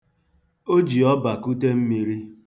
O ji ọba kute mmiri.